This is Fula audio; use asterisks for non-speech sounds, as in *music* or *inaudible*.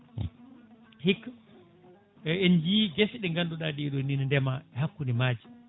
hikka *hesitation* en jii guese ɗe ganduɗa ɗeɗo ni ne ndeema e hakkude maaje